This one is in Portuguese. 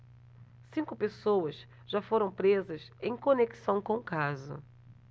cinco pessoas já foram presas em conexão com o caso